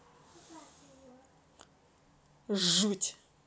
жуть